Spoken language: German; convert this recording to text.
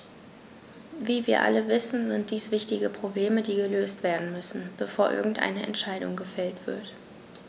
Wie wir alle wissen, sind dies wichtige Probleme, die gelöst werden müssen, bevor irgendeine Entscheidung gefällt wird.